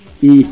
ii